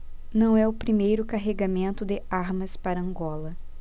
não é o primeiro carregamento de armas para angola